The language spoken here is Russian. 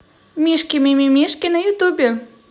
мишки мимимишки на ютубе